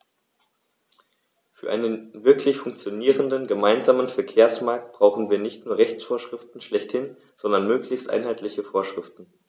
Für einen wirklich funktionierenden gemeinsamen Verkehrsmarkt brauchen wir nicht nur Rechtsvorschriften schlechthin, sondern möglichst einheitliche Vorschriften.